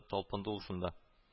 Талпынды ул шунда